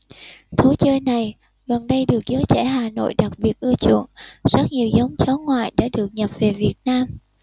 thú chơi này gần đây được giới trẻ hà nội đặc biệt ưa chuộng rất nhiều giống chó ngoại đã được nhập về việt nam